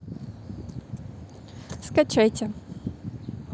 скачайте